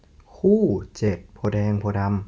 คู่เจ็ดโพธิ์แดงโพธิ์ดำ